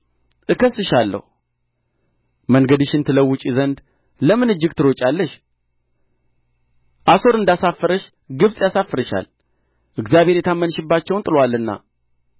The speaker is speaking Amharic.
እከስስሻለሁ መንገድሽን ትለውጪ ዘንድ ለምን እጅግ ትሮጫለሽ አሦር እንዳሳፈረሽ ግብጽ ያሳፍርሻል እግዚአብሄር የታመንሽባቸውን ጥሎአልና